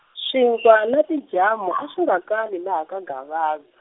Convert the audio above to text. swinkwa na tijamu a swi nga kali laha ka Gavaza.